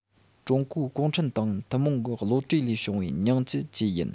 ཀྲུང གོའི གུང ཁྲན ཏང ཐུན མོང གི བློ གྲོས ལས བྱུང བའི ཉིང བཅུད བཅས ཡིན